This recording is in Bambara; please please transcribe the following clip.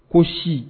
Ko si